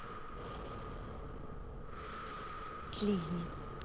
слизни